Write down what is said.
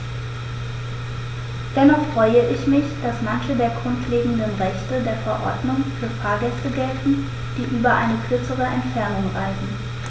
Dennoch freue ich mich, dass manche der grundlegenden Rechte der Verordnung für Fahrgäste gelten, die über eine kürzere Entfernung reisen.